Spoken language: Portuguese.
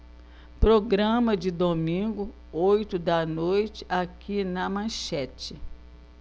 programa de domingo oito da noite aqui na manchete